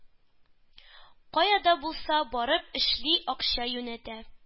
Кая да булса барып эшли, акча юнәтә.